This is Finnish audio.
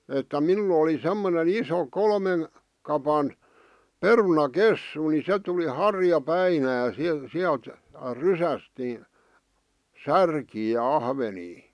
että minulla oli semmoinen iso kolmen kapan perunakessu niin se tuli harjapäinä - sieltä rysästä niin särkiä ja ahvenia